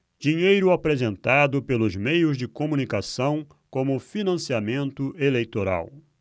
dinheiro apresentado pelos meios de comunicação como financiamento eleitoral